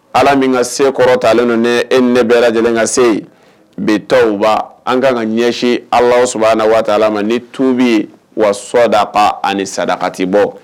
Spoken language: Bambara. Ala min ka sekɔrɔ talen don e ne bɛɛ lajɛlen ka se yen bi tɔwba an ka ka ɲɛsin ala saba waati ma ni tun bɛ wa sɔda pan ani sada ati bɔ